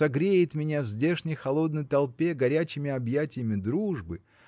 согреет меня в здешней холодной толпе горячими объятьями дружбы